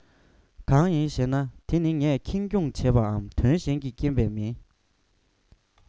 གང ཡིན ཞེ ན དེ ནི ངས ཁེངས སྐྱུང བྱས པའམ དོན གཞན གྱི རྐྱེན པས མིན